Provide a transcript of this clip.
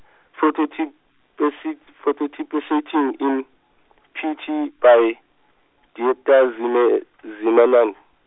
phototypes- phototypesetting in P T by Dieter Zimme- Zimmermann.